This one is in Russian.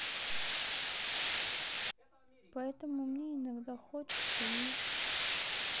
поэтому мне иногда хочется и